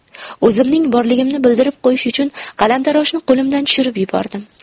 o'zimning borligimni bildirib qo'yish uchun qalamtaroshni qo'limdan tushirib yubordim